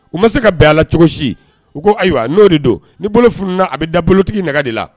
U ma se ka bɛn la cogo si, u ko ayiwa n'o de don, ni bolo funu na a bɛ da bolokotigi naga de la.